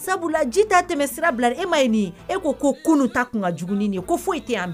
Sabula ji t'a tɛmɛsira bila dɛ e m'a ye nin ye e ko ko kununta tun ka jugu ni nin ye ko foyi tɛ yan